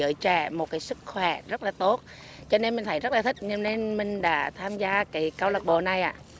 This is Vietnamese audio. giới trẻ một cái sức khỏe rất là tốt cho nên mình thấy rất là thích nên mình đã tham gia cái câu lạc bộ này ạ